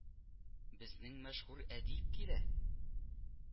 Безнең мәшһүр әдип килә